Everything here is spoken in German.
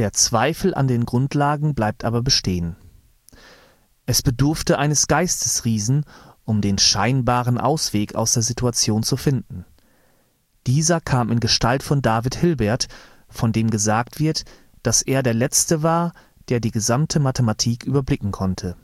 Zweifel an den Grundlagen bleibt aber bestehen. Es bedurfte eines Geistesriesen, um den (scheinbaren) Ausweg aus der Situation zu finden. Dieser kam in Gestalt von David Hilbert, von dem gesagt wird, dass er der Letzte war, der die gesamte Mathematik überblicken konnte